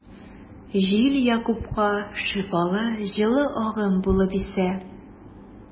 Җил Якупка шифалы җылы агым булып исә.